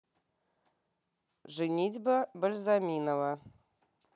женитьба бальзаминова